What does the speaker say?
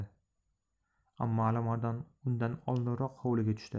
ammo alimardon undan oldinroq hovliga tushdi